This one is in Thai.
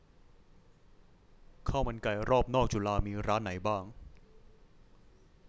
ข้าวมันไก่รอบนอกจุฬามีร้านไหนบ้าง